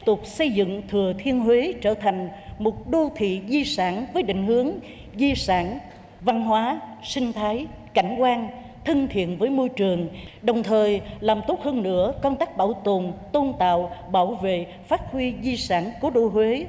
tục xây dựng thừa thiên huế trở thành một đô thị di sản với định hướng di sản văn hóa sinh thái cảnh quan thân thiện với môi trường đồng thời làm tốt hơn nữa công tác bảo tồn tôn tạo bảo vệ phát huy di sản cố đô huế